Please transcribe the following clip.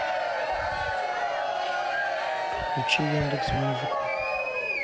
включи яндекс музыку